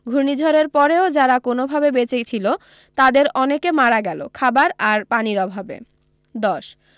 ঘূর্ণিঝড়ের পরেও যারা কোনোভাবে বেঁচে ছিল তাদের অনেকে মারা গেল খাবার আর পানির অভাবে ১০